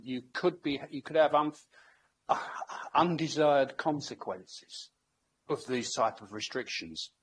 You could be- you could have unf- undesired consequences of these type of restrictions.